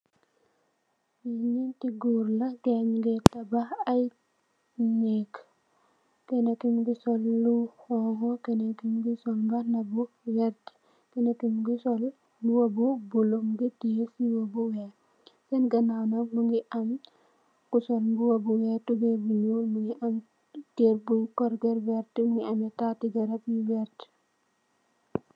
Nyante goor la gaye nuge tabax aye neeg kenake muge sol lu xonxo kenenke muge sol mbaxana bu werte kenake muge sol muba bu bulo muge teye fele bu weex sen genaw nak muge am ku sol muba bu weex tubaye bu nuul muge am kerr bun corget werte muge ameh tate garab yu werte.